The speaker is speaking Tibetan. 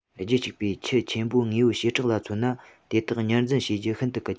རྒྱུད གཅིག པའི ཁྱུ ཆེན པོའི དངོས པོའི བྱེ བྲག ལ མཚོན ན དེ དག ཉར འཛིན བྱེད རྒྱུ ཤིན ཏུ གལ ཆེ